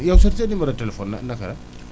yow sa sa numéro téléphone naka la